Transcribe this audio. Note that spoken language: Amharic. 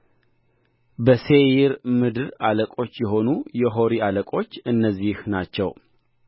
በሴይር ምድር አለቆች የሆኑ የሖሪ አለቆቹ እነዚህ ናቸው